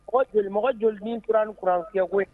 Mɔgɔ joli mɔgɔ joli ni tura nin kurantigɛ koyi